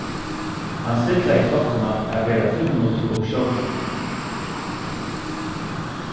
hann stillaði klokkuna at vera fimm minuttir ov skjóta